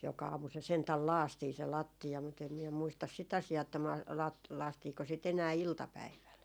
joka aamu se sentään lakaistiin se lattia mutta en minä muista sitä asiaa että -- lakaistiinko sitä enää iltapäivällä